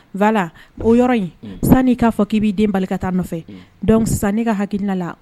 Voila _o yaɔrɔ in sani k'a fɔ k'i b'i den bali ka t'a nɔfɛ, sisan ne ka hakilina la.